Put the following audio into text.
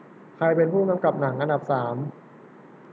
ใครเป็นผู้กำกับหนังอันดับสาม